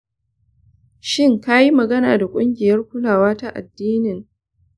shin kayi magana da kungiyar kulawa ta addinin?